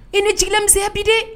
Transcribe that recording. I ni j miya bi di